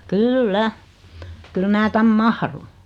kyllä kyllä minä tänne mahdun